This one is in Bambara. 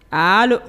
Allo